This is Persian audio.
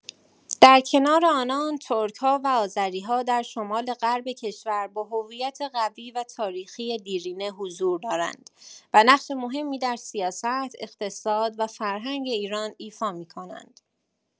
در کنار آنان ترک‌ها و آذری‌ها در شمال‌غرب کشور با هویت قوی و تاریخی دیرینه حضور دارند و نقش مهمی در سیاست، اقتصاد و فرهنگ ایران ایفا می‌کنند.